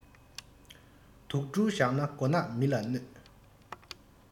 དུག སྦྲུལ བཞག ན མགོ ནག མི ལ གནོད